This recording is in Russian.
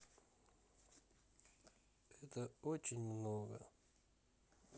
это очень много